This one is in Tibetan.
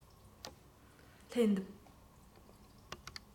སླེབས འདུག